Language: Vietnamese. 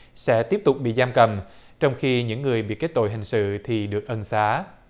sẽ tiếp tục bị giam cầm trong khi những người bị kết tội hình sự thì được ân xá